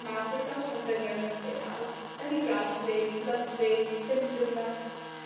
ma' testosteron dynion yn lleihau. Very gradualy. Lyfli. Syptomless.